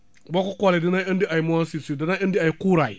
boo ko xoolee dina andi ay moisisures dana indi ay kuuraay